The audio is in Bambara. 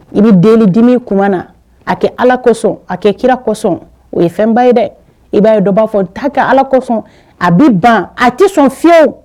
I bɛ deli dimi tuma na, a kɛ Ala kosɔn, a kɛ kira kɔsɔn o ye fɛnba ye dɛ. i b'a ye dɔ b'a fɔ n t'a kɛ Ala kosɔn a bɛ ban, a tɛ sɔn fiyewu.